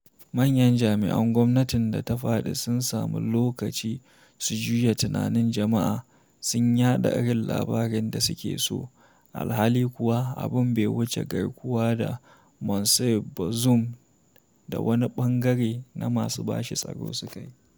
Manyan jami'an gwamnatin da ta fadi sun samu lokaci su juya tunanin jama'a sun yaɗa irin labarin da suke so, alhali kuwa abin bai wuce garkuwa da Monsieur Bazoum da wani bangare na masu bashi tsaro sukai.